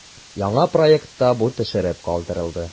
Яңа проектта бу төшереп калдырылды.